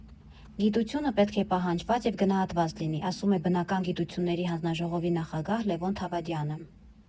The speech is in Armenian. «Գիտությունը պետք է պահանջված և գնահատված լինի, ֊ ասում է բնական գիտությունների հանձնաժողովի նախագահ Լևոն Թավադյանը։